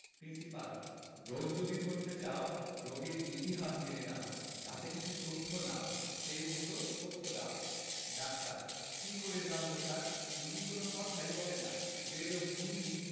principal রোগ যদি ধরতে চাও রোগীর ইতিহাস জেনে নাও তাতে কিছু তথ্য নাও সেই মত পথ্য দাও ডাক্তার কি করে জানব স্যার রোগী কোন কথাই বলে না বেঢপ ভূঁড়ি